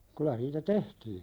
kyllä niitä tehtiin